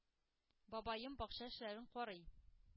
Бабаем бакча эшләрен карый.